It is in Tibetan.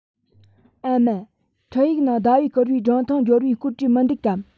ཨ མ འཕྲིན ཡིག ནང ཟླ བས བསྐུར བའི སྒྲུང ཐུང འབྱོར བའི སྐོར བྲིས མི འདུག གམ